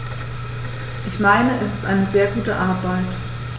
Ich meine, es ist eine sehr gute Arbeit.